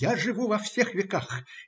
Я живу во всех веках.